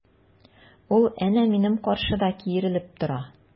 Ул әнә минем каршыда киерелеп тора!